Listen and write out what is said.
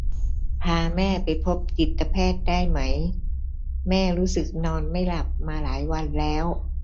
พาแม่ไปพบจิตแพทย์ได้ไหมแม่รู้สึกนอนไม่หลับมาหลายวันแล้ว